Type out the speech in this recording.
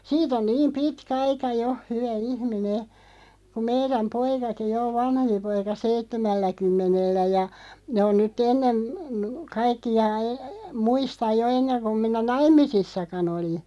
siitä on niin pitkä aika jo hyvä ihminen kun meidän poikakin jo on vanhempi poika seitsemälläkymmenellä ja ne on nyt ennen kaikkia muista jo ennen kuin minä naimisissakaan olin